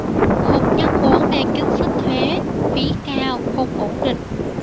không nhất quán nên chính sách thuế phí cao không ổn định